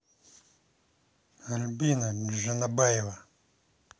альбина джанабаева